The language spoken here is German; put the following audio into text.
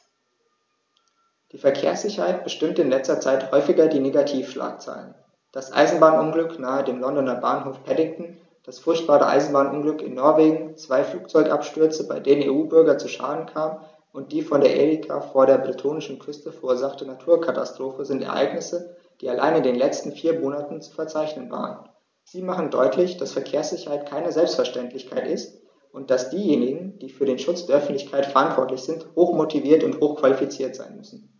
Die Verkehrssicherheit bestimmte in letzter Zeit häufig die Negativschlagzeilen: Das Eisenbahnunglück nahe dem Londoner Bahnhof Paddington, das furchtbare Eisenbahnunglück in Norwegen, zwei Flugzeugabstürze, bei denen EU-Bürger zu Schaden kamen, und die von der Erika vor der bretonischen Küste verursachte Naturkatastrophe sind Ereignisse, die allein in den letzten vier Monaten zu verzeichnen waren. Sie machen deutlich, dass Verkehrssicherheit keine Selbstverständlichkeit ist und dass diejenigen, die für den Schutz der Öffentlichkeit verantwortlich sind, hochmotiviert und hochqualifiziert sein müssen.